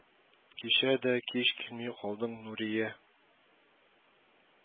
Кичә дә кич килми калдың, Нурия